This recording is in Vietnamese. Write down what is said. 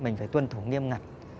mình phải tuân thủ nghiêm ngặt